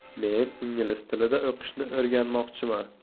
men ingliz tilida o'qishni o'rganmoqchiman